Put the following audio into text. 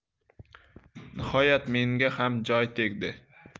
nihoyat menga ham joy tegdi